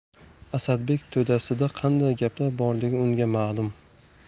asadbek to'dasida qanday gaplar borligi unga ma'lum